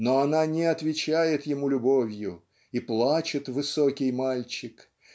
но она не отвечает ему любовью и плачет высокий мальчик